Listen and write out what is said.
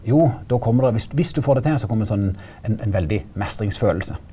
jo då kjem der viss viss du får det til så kjem det sånn ein ein veldig meistringsfølelse.